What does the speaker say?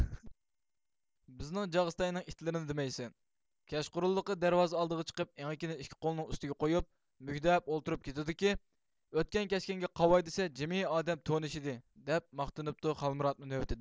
بىزنىڭ جاغىستاينىڭ ئىتىلىرنى دېمەيسەن كەچقۇرۇنلۇقى دەرۋازا ئالدىغا چىقىپ ئېڭىكىنى ئىككى قولنىڭ ئۈستىگە قويۇپ مۈگدەپ ئولتۇرۇپ كېتىدۇكى ئۆتكەن كەچكەنگە قاۋاي دىسە جىمى ئادەم تونۇش ئىدى دەپ ماختىنىپتۇ خالمىرات مۇ نۆۋىتىدە